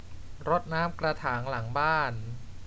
รดน้ำกระถางหลังบ้าน